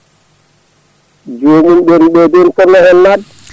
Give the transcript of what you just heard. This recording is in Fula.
joomum ɓen ɓe ɓen ponno hen nadde